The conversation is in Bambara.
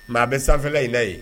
Maa a bɛ sanfɛka inina ye